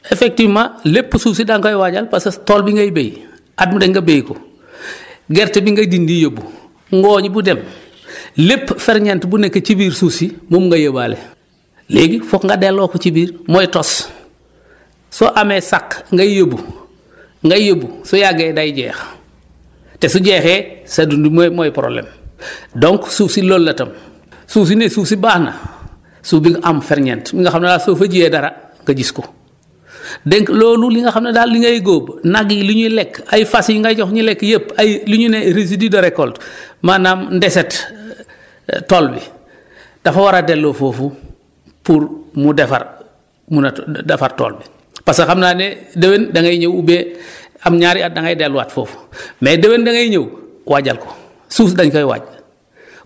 effectivement lépp suuf si da nga koy waajal parce que tool bi ngay béy at mu ne nga béy ko gerte bi ngay dindi yóbbu ngooén bu dem lépp ferñeent bu nekk ci biir suuf si moom nga yóbbaale léegi foog nga delloo ko ci biir mooy tos soo amee sàq ngay yóbbu ngay yóbbu su yàggee day jeex te su jeexee sa dund bi mooy mooy problème donc suuf si loolu la tam suuf si ne suuf si baax na suuf bi nga am ferñeent bi nga xam ne daal soo fa jiyee dara nga gis ko donc loolu li nga xam ne daal li ngay góob nag yi li ñuy lekk ay fas yi ngay jox ñu lekk yëpp ay li ñu ne residus de récolte maanaam ndeset tool bi dafa war a delloo foofu pour mu defar mun a defar tool bi pârce que xam naa ne déwén da ngay ñëw be am ñaari at da ngay delluwaat foofu mais déwén da ngay ñëw waajal ko suuf dañ koy waaj